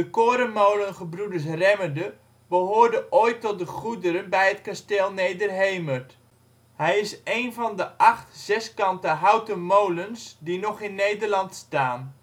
korenmolen Gebr. Remmerde behoorde ooit tot de goederen bij het kasteel Nederhemert. Hij is een van de acht zeskante houten molens die nog in Nederland staan